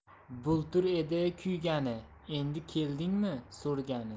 bultur edi kuygani endi keldingmi so'rgani